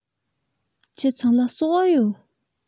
ཁྱེད ཚང ལ ཟོག འུ ཡོད